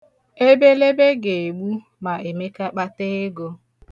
Ebelebe ga-egbu ma Emeka kpataa ego.